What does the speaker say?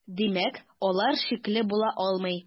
Димәк, алар шикле була алмый.